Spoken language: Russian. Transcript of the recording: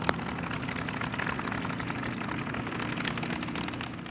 леша майсак